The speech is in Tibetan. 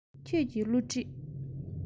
ཁྱེད ཀྱི བསླུ བྲིད